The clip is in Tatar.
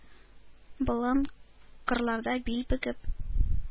Болын, кырларда бил бөгеп,